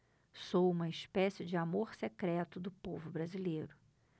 sou uma espécie de amor secreto do povo brasileiro